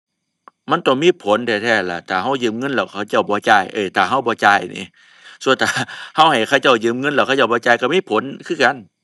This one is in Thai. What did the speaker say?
มันต้องมีผลแท้แท้ล่ะ ถ้าเรายืมเงินแล้วเขาเจ้าบ่จ่าย เอ๊ย ถ้าเราบ่จ่ายหนิ ซั่วถ้า เราให้เขาเจ้ายืมเงินแล้วเขาเจ้าบ่จ่ายเรามีผลคือกัน